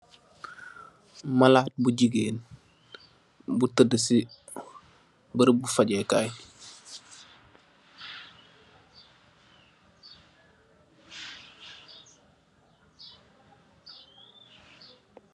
Malad bu jigeen bu teda si mberem bi fagekai.